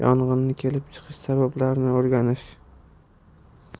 yong'inni kelib chiqish sabablarini o'rganish